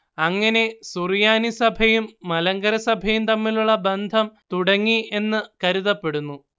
അങ്ങനെ സുറിയാനി സഭയും മലങ്കര സഭയും തമ്മിലുള്ള ബന്ധം തുടങ്ങി എന്ന് കരുതപ്പെടുന്നു